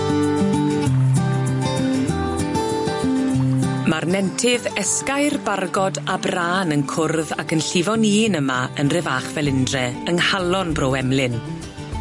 Ma'r nentydd Esgair Bargod a Brân yn cwrdd ac yn llifo'n un yma yn Rhyfach Felindre yng Nghalon Bro Emlyn.